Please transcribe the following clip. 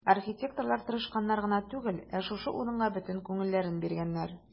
Архитекторлар тырышканнар гына түгел, ә шушы урынга бөтен күңелләрен биргәннәр.